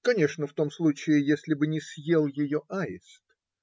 конечно, в том случае, если бы не съел ее аист.